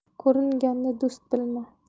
ko'ringanni do'st bilma